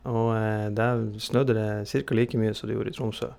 Og der snødde det cirka like mye som det gjorde i Tromsø.